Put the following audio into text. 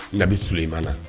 N bɛ so in mana